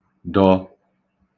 dọ̀